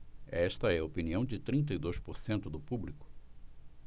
esta é a opinião de trinta e dois por cento do público